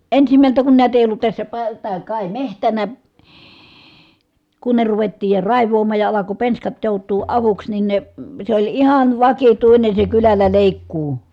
ensimmältä kun näitä ei ollut tässä - tämä kai metsänä kunne ruvettiin ja raivaamaan ja alkoi penskat joutua avuksi niin ne se oli ihan vakituinen se kylällä leikkuu